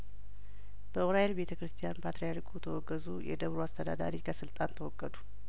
በኡራኤል ቤተ ክርስቲያን ፓትሪያርኩ ተወገዙ የደብሩ አስተዳዳሪ ከስልጣን ተወገዱ